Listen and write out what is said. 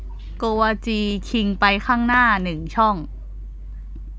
โกวาจีคิงไปข้างหน้าหนึ่งช่อง